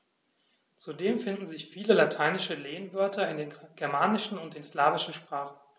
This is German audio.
Zudem finden sich viele lateinische Lehnwörter in den germanischen und den slawischen Sprachen.